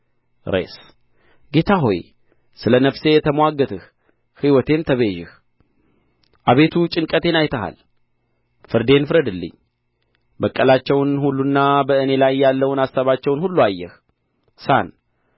ሬስ ጌታ ሆይ ስለ ነፍሴ ተምዋግተህ ሕይወቴን ተቤዠህ አቤቱ ጭንቀቴን አይተሃል ፍርዴን ፍረድልኝ በቀላቸውን ሁሉና በእኔ ላይ ያለውን አሳባቸውን ሁሉ አየህ ሳን